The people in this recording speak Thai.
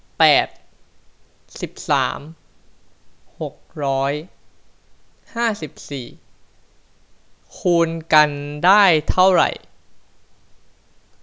แปดสิบสามหกร้อยห้าสิบสี่คูณกันได้เท่าไหร่